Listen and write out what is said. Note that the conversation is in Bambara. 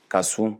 Ka sun.